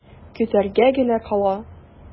Көтәргә генә кала.